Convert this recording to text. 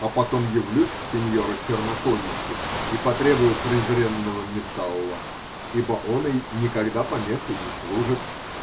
А потом явлюсь к синьору Черноконичу и потребую презренного металла, ибо оный никогда помехой не служит.